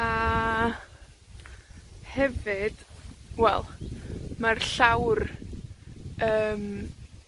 A, hefyd, wel, mae'r llawr, yym,